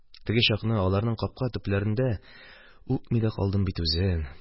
Теге чакны, аларның капка төпләрендә, үпми дә калдым бит үзен